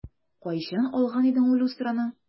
Кайчан алган идек ул люстраны?